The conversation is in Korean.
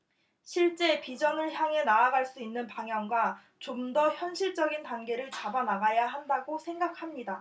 실제 비전을 향해 나아갈 수 있는 방향과 좀 더 현실적인 단계를 잡아 나가야 한다고 생각합니다